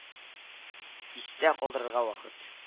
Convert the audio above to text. Истә калдырырга вакыт